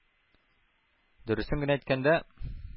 Дөресен генә әйткәндә,